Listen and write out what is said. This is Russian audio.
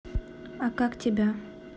а как тебя